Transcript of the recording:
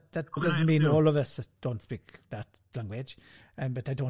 That doesn't mean all of us don't speak that language, but I don't know it.